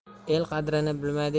el qadrini bilmaydi